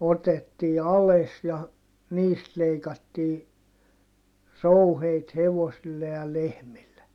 otettiin alas ja niistä leikattiin rouheita hevosille ja lehmille